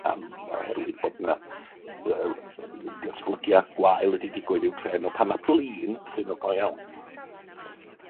am oherwydd bod 'na ryw ryw datblygiad gwael wedi digwydd i'w tre nw, pan ma' blin ydyn nw go iawn?